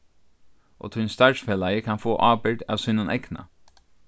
og tín starvsfelagi kann fáa ábyrgd av sínum egna